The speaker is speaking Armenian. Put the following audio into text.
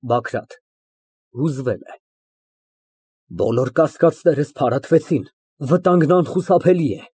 ԲԱԳՐԱՏ ֊ (Հուզվում է) Բոլոր կասկածներս փարատվեցին, վտանգն անխուսափելի է։